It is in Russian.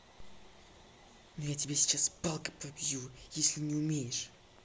ну я тебя сейчас палкой побью если не умеешь